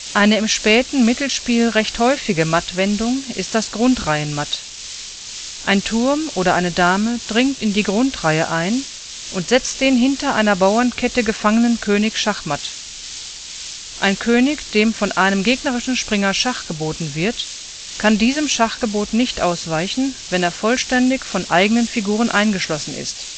Eine im späten Mittelspiel recht häufige Mattwendung ist das Grundreihenmatt: Ein Turm oder eine Dame dringt in die Grundreihe ein und setzt den hinter einer Bauernkette gefangenen König schachmatt. Ein König, dem von einem gegnerischen Springer Schach geboten wird, kann diesem Schachgebot nicht ausweichen, wenn er vollständig von eigenen Figuren eingeschlossen ist